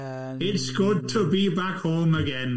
It's good to be back home again.